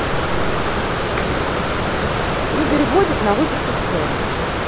игорь водит на вызов со скорой